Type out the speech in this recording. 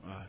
waa